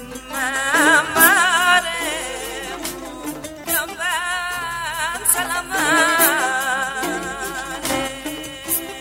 Miniyan bafɛ tileba